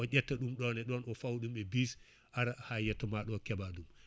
o ƴetta ɗum ɗon e ɗon o fawa ɗum e bus ara ha yettoma ɗo keeɓa ɗum